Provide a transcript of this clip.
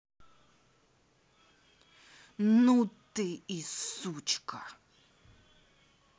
ну ты и сучка